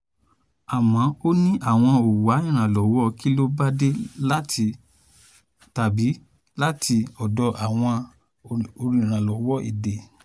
Àmọ́ ‘ò ní àwọn ‘ò wá ìrànlọ́wọ́ kílóbádé tàbí láti ọ̀dọ̀ àwọn orílẹ̀-èdè t’ọ́n jẹ́ onígbọ̀wọ́ fún àwọn lájàngbìlà.